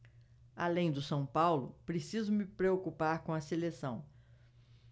além do são paulo preciso me preocupar com a seleção